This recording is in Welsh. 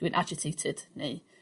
dwi'n agitated neu